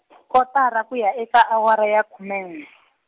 kotara ku ya eka awara ya khume n'we.